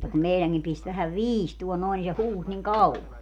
mutta kun meidänkin pisti vähän viistoon noin niin se huusi niin kauan